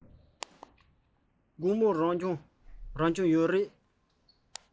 དགོང མོ རང སྦྱོང ཡོད རེད པས